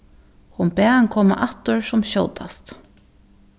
hon bað hann koma aftur sum skjótast